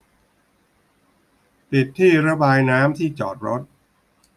ปิดที่ระบายน้ำที่จอดรถ